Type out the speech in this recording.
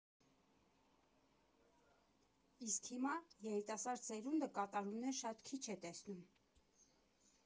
Իսկ հիմա երիտասարդ սերունդը կատարումներ շատ քիչ է տեսնում.